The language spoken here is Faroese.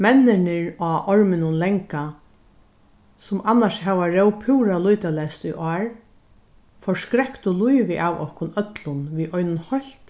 menninir á orminum langa sum annars hava róð púra lýtaleyst í ár forskrektu lívið av okkum øllum við einum heilt